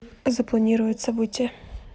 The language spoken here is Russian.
запланировать событие